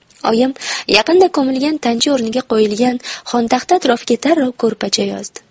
oyim yaqinda ko'milgan tancha o'rniga qo'yilgan xontaxta atrofiga darrov ko'rpacha yozdi